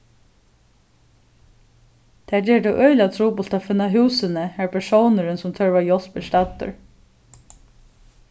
tað ger tað øgiliga trupult at finna húsini har persónurin sum tørvar hjálp er staddur